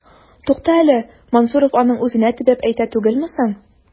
Тукта әле, Мансуров аның үзенә төбәп әйтә түгелме соң? ..